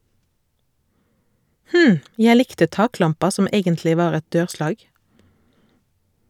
Hm, jeg likte taklampa som egentlig var et dørslag.